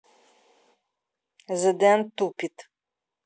the dent тупит